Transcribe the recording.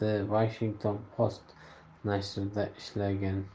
washington post nashrida ishlagan